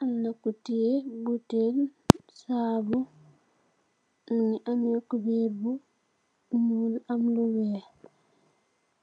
Amna ku teye botel sabu muge ameh kuberr bu nuul am lu weex